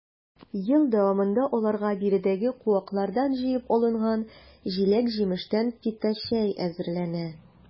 Ел дәвамында аларга биредәге куаклардан җыеп алынган җиләк-җимештән фиточәй әзерләнә.